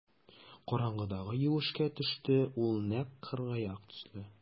Караңгыда юешкә төште ул нәкъ кыргаяк төсле.